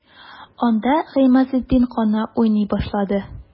Анда Гыймазетдин каны уйный башлады.